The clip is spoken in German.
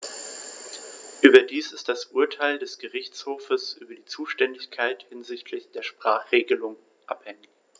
Überdies ist das Urteil des Gerichtshofes über die Zuständigkeit hinsichtlich der Sprachenregelung anhängig.